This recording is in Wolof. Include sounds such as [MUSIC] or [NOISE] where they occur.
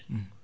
[HESITATION] [HESITATION]